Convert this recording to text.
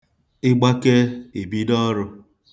Ị gbakee, i bido ọrụ.